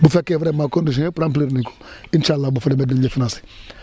bu fekkee vraiment conditions yëpp remplir nañ ko incha allah boo fa demee dinañ la financé